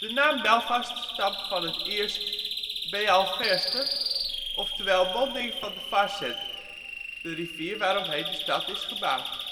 naam Belfast stamt van het Iers Béal Feirste, ofwel monding van de Farset, de rivier waaromheen de stad is gebouwd